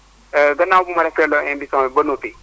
gannaaw bu ma rafetloo émission bi ba noppi